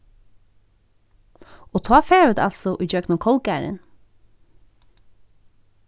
og tá fara vit altso ígjøgnum kolgarðin